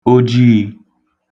ojiī